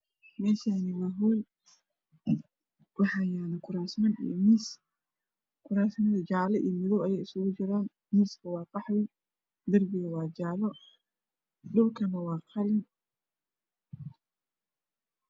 Meeshaani waa hool waxaa yaalo kuraasmo iyo miis kuraasmada jaale iyo madow ayay usugu jiraan miiska waa qaxwi darbiga waa jaalo dhulkana waa qalin